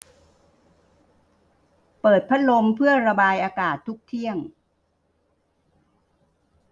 เปิดพัดลมเพื่อระบายอากาศทุกเที่ยง